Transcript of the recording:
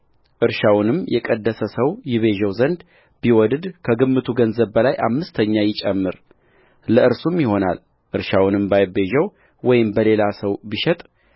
እርሻውንም የቀደሰ ሰው ይቤዠው ዘንድ ቢወድድ ከግምቱ ገንዘብ በላይ አምስተኛ ይጨምር ለእርሱም ይሆናልእርሻውንም ባይቤዠው ወይም ለሌላ ሰው ቢሸጥ